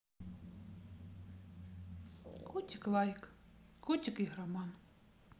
котик лайк котик игроман